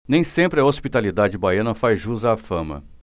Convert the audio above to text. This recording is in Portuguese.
nem sempre a hospitalidade baiana faz jus à fama